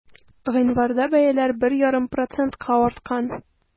Гыйнварда бәяләр 1,5 процентка арткан.